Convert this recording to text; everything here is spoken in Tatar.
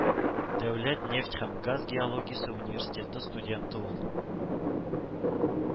Дәүләт нефть һәм газ геологиясе университеты студенты ул